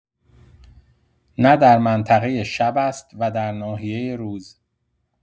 نه در منطقه شب است و در ناحیه روز.